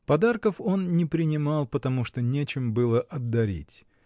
Подарков он не принимал, потому что нечем было отдарить.